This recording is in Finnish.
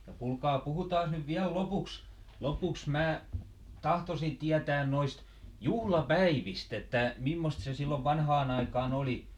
no kuulkaa puhutaanpas nyt vielä lopuksi lopuksi minä tahtoisin tietää noista juhlapäivistä että mimmoista se silloin vanhaan aikaan oli